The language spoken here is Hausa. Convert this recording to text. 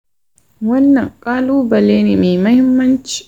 wannan kalubale ne mai muhimmanci.